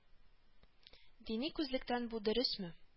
Дини күзлектән бу дөресме